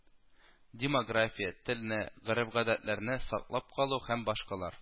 Демография, телне, гореф-гадәтләрне саклап калу һәм башкалар